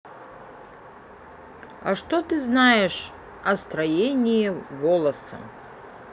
а что ты знаешь о строении волоса